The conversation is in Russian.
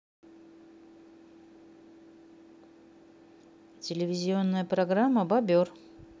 телевизионная программа бобер